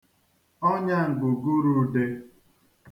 ọnyà ǹgùgurudē